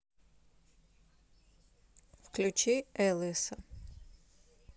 включи элвиса